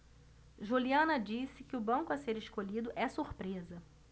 juliana disse que o banco a ser escolhido é surpresa